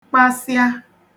kpasịa